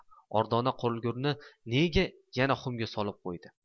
ordona qolgurni nega yana xumga solib qo'ydi